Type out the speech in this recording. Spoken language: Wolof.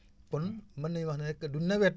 kon mën nañu wax nag du nawet